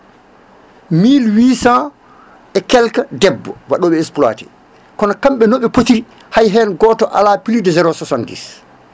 milles huit cent et quelles debbo waɗoɓe exploitées kono kamɓe noɓe potiri hay hen goto ala plus de 0 70